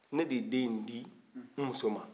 ne de ye den in di n muso ma